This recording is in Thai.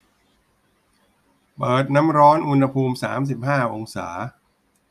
เปิดน้ำร้อนอุณหภูมิสามสิบห้าองศา